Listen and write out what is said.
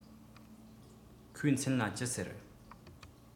ཁོའི མཚན ལ ཅི ཟེར